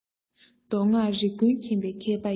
མདོ སྔགས རིག ཀུན མཁྱེན པའི མཁས པ ཡིན